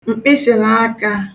m̀kpịshị̀lakā